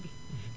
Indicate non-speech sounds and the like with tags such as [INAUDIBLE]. [HESITATION] [HESITATION]